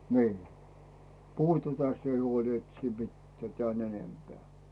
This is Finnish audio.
niin puhu tätä sinä huoli että siinä mitään tämän enempää